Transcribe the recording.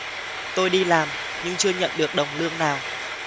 tôi đi làm nhưng chưa nhận được đồng lương nào